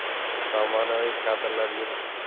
zamonaviy kadrlar yetishib